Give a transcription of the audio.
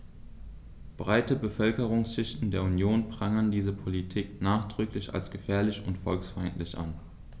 Breite Bevölkerungsschichten der Union prangern diese Politik nachdrücklich als gefährlich und volksfeindlich an.